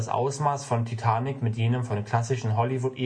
Ausmaß von Titanic mit jenem von klassischen Hollywood-Epen